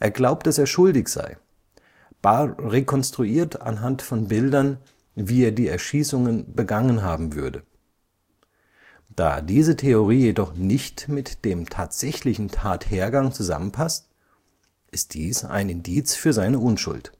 glaubt, dass er schuldig sei. Barr rekonstruiert anhand von Bildern, wie er die Erschießungen begangen haben würde. Da diese Theorie jedoch nicht mit dem tatsächlichen Tathergang zusammenpasst, ist dies ein Indiz für Barrs Unschuld